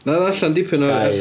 Nai ddarllan dipyn o'r erth-...